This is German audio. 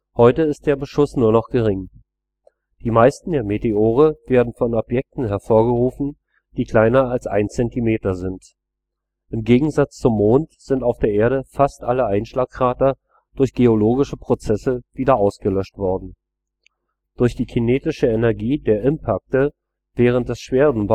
Heute ist der Beschuss nur noch gering. Die meisten der Meteore werden von Objekten hervorgerufen, die kleiner als 1 cm sind. Im Gegensatz zum Mond sind auf der Erde fast alle Einschlagkrater durch geologische Prozesse wieder ausgelöscht worden. Durch die kinetische Energie der Impakte während des schweren